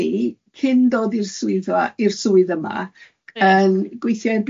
O'n i, cyn dod i'r swyddfa... i'r swydd yma yn gweithio i'r Bi Bi Si